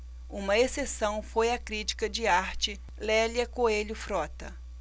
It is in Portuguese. uma exceção foi a crítica de arte lélia coelho frota